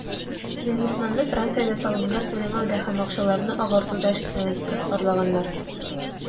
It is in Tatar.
Бизнесменны Франциядә салымнар түләмәүдә һәм акчаларны "агартуда" шикләнеп тоткарлаганнар.